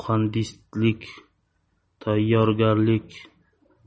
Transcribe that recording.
muhandislik tayyorgarligi